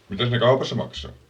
mitäs ne kaupassa maksaa